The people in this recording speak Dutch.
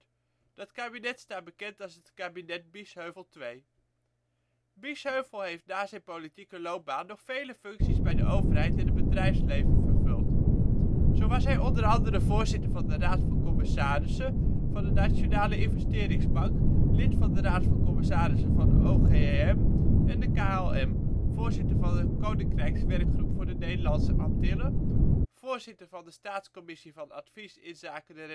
kabinet staat bekend als het kabinet-Biesheuvel II. Biesheuvel heeft na zijn politieke loopbaan nog vele functies bij de overheid en het bedrijfsleven vervuld. Zo was hij onder andere voorzitter van de Raad van Commissarissen van de Nationale Investeringsbank, lid van de Raad van Commissarissen van OGEM en de KLM, voorzitter van de Koninkrijkswerkgroep voor de Nederlandse Antillen, voorzitter van de Staatscommissie van advies inzake